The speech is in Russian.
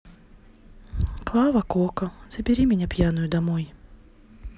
клава кока забери меня пьяную домой